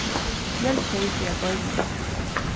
vel sjey fyri at goyma